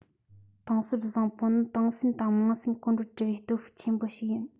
ཏང སྲོལ བཟང པོ ནི ཏང སེམས དང དམངས སེམས གོང བུར སྒྲིལ བའི སྟོབས ཤུགས ཆེན པོ ཞིག ཡིན